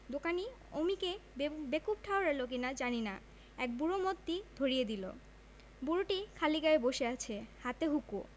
দোকানী অমিকে বেকুব ঠাওড়ালী কিনা জানি এক বুড়োর মতী ধরিয়ে দিল বুড়োটি খালি গায়ে বসে আছে হাতে হুঁকো